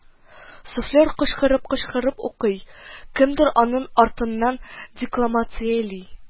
Суфлер кычкырып-кычкырып укый, кемдер аның артыннан декламацияли